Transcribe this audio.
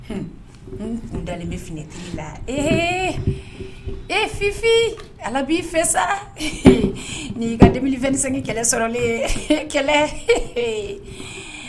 Dalen bɛ finɛtiri la ee e fifin ala b'i fɛ sa ni kabbili2sengin kɛlɛ sɔrɔlen kɛlɛ